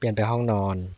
เปลี่ยนไปห้องนอน